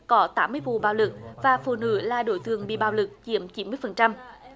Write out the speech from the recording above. có tám mươi vụ bạo lực và phụ nữ là đối tượng bị bạo lực chiếm chín mươi phần trăm